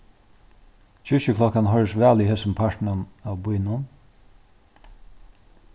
kirkjuklokkan hoyrist væl í hesum partinum av býnum